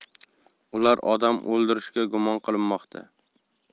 ular odam o'ldirishda gumon qilinmoqda